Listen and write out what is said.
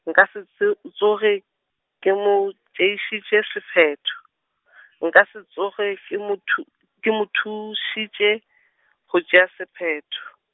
nka se tse- tsoge, ke mo, tšeišitše sephetho , nka se tsoge ke mo thu-, ke mo thušitše go tšea sephetho.